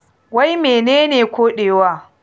Wai menene koɗewa?